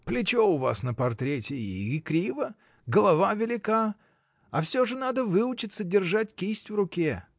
Плечо у вас на портрете и криво, голова велика, а всё же надо выучиться держать кисть в руке.